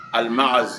A ma aliz